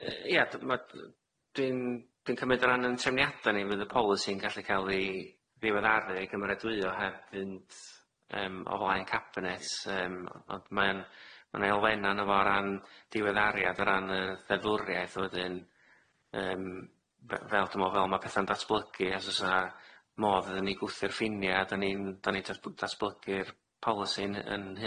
Yy ie d- ma' dwi'n dwi'n cymyd o ran yn trefniada ni fydd y policy'n gallu ca'l i ddiweddaru a cymeradwyo heb fynd yym o flaen cabinet yym ond ma' e'n ma'n elfenna onno fo o ran diweddariad o ran yy ddefwriaeth a wedyn yym be- fel dwi me'wl fel ma' petha'n datblygu asos a modd idda ni gwthio'r ffinia' a do'n i'n do'n i jys b- datblygu'r policy'n yn hynna beth lly.